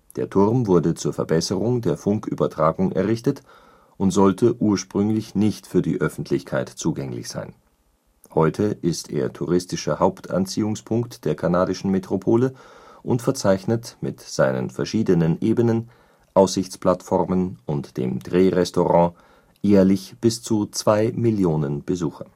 Der Turm wurde zur Verbesserung der Funkübertragung errichtet und sollte ursprünglich nicht für die Öffentlichkeit zugänglich sein. Heute ist er touristischer Hauptanziehungspunkt der kanadischen Metropole und verzeichnet mit seinen verschiedenen Ebenen, Aussichtsplattformen und dem Drehrestaurant jährlich bis zu zwei Millionen Besucher